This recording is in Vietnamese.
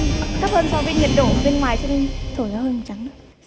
thấp hơn so với nhiệt độ bên ngoài cho nên thổi hơi màu trắng ạ